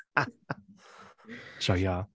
Joio!